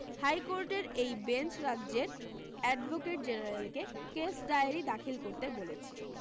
হাইকোর্টের এই বেঞ্চ রাজ্যের অ্যাডভোকেট জেনারেলকে কেস ডায়েরি দাখিল করতে বলেছে